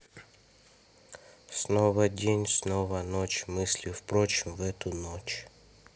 снова день снова ночь мысли впрочем в эту ночь